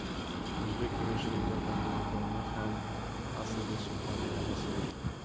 o'zbek kurashining vatani makoni ham aslida surxon vohasidir